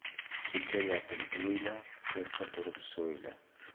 kecha yotib o'yla erta turib so'yla